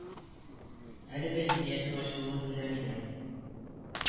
Әле дә җинаятьнең ачылуын теләмиләр